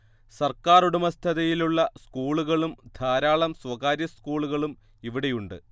സർക്കാറുടമസ്ഥതയിലുള്ള സ്കൂളുകളും ധാരാളം സ്വകാര്യ സ്കൂളുകളും ഇവിടെയുണ്ട്